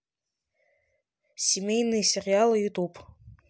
семейные сериалы ютуб